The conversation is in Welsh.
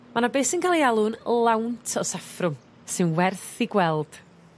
ma' 'na be' sy'n ca'l 'i alwn lawnt o saffrwm sy'n werth 'i gweld